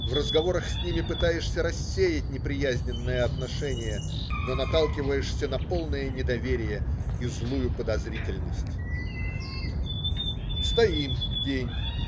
В разговорах с ними пытаешься рассеять неприязненное отношение, но наталкиваешься на полное недоверие и злую подозрительность. Стоим день.